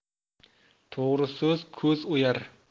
to'g'ri so'z ko'z o'yar